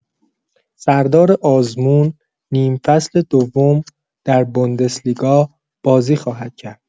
سردار آزمون نیم‌فصل دوم در بوندسلیگا بازی خواهد کرد.